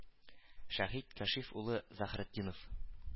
Шәһит Кәшиф улы Заһретдинов